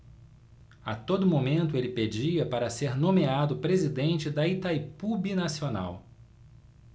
a todo momento ele pedia para ser nomeado presidente de itaipu binacional